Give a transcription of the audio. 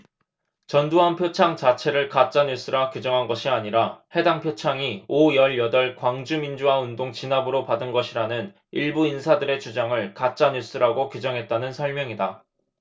전두환 표창 자체를 가짜 뉴스라 규정한 것이 아니라 해당 표창이 오 열 여덟 광주민주화 운동 진압으로 받은 것이라는 일부 인사들의 주장을 가짜 뉴스라고 규정했다는 설명이다